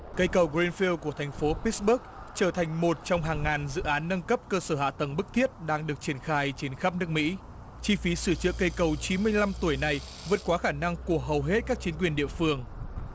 cây cầu pi phiu của thành phố pít buốc trở thành một trong hàng ngàn dự án nâng cấp cơ sở hạ tầng bức thiết đang được triển khai trên khắp nước mỹ chi phí sửa chữa cây cầu chín mươi lăm tuổi này vượt quá khả năng của hầu hết các chính quyền địa phương